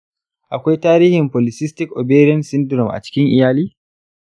akwai tarihin polycystic ovarian syndrome a cikin iyali?